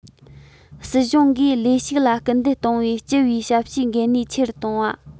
སྲིད གཞུང གིས ལས ཞུགས ལ སྐུལ འདེད གཏོང བའི སྤྱི པའི ཞབས ཞུའི འགན ནུས ཆེ རུ གཏོང བ